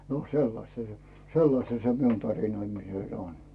no sellaista se sellaista se minun tarinoimiset on